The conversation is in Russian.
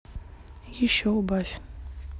еще убавь